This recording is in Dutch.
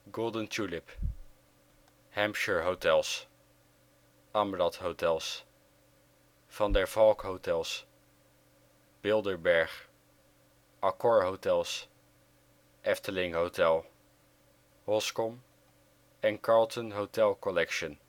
Golden Tulip Hampshire Hotels Amrâth Hotels Van der Valk Hotels Bilderberg Accor Hotels Efteling Hotel Hoscom Carlton Hotel Collection